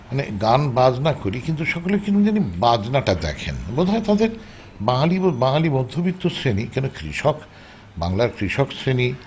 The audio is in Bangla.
মানে গান-বাজনা করি কিন্তু সকলে কেমন জানি বাজনা টা দেখেন বোধহয় তাদের বাঙালি বা বাঙালি মধ্যবিত্ত শ্রেণি কেন কৃষক বাংলার কৃষক শ্রেণী